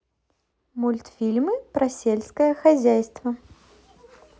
мультфильмы про сельское хозяйство